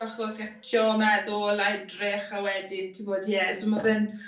bach o sgetsio a meddwl a edrych a wedyn ti'wbod ie so ma' fe'n